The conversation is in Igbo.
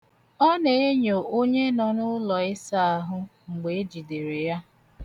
Ọ na-enyo onye nọ n'ụlọịsaahụ mgbe e jidere ya.